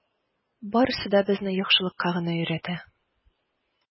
Барысы да безне яхшылыкка гына өйрәтә.